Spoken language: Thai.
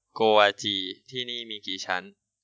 โกวาจีที่นี่มีกี่ชั้น